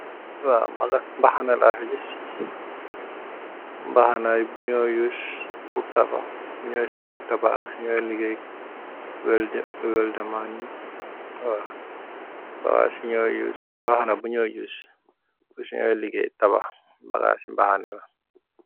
Waaw, mbaxana laa fi gis, mbaxana, bi ñuy yuus pur tabax. Su ñooy tabax ak suñyuy ligeey, welda maan yi, Mbaxana bi ñuy yuus, pur su ñuy ligey tabax.